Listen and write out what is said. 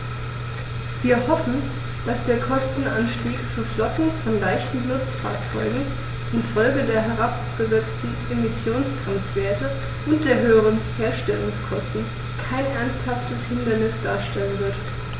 Wir hoffen, dass der Kostenanstieg für Flotten von leichten Nutzfahrzeugen in Folge der herabgesetzten Emissionsgrenzwerte und der höheren Herstellungskosten kein ernsthaftes Hindernis darstellen wird.